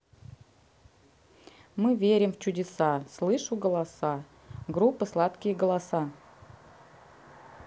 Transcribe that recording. мы верим в чудеса слышу голоса группа сладкие голоса